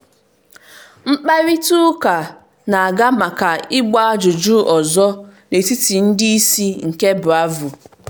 Mkparịta ụka na-aga maka ịgba ajụjụ ọzọ n'etiti ndị isi nke BRAVO!